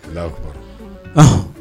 Ala